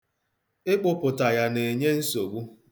Ịkpụpụta ya na-enye nsogbu.